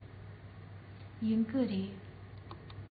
ཡིན གྱི རེད